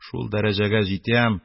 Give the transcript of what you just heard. Шул дәрәҗәгә җитәм